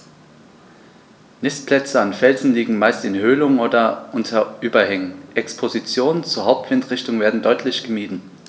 Nistplätze an Felsen liegen meist in Höhlungen oder unter Überhängen, Expositionen zur Hauptwindrichtung werden deutlich gemieden.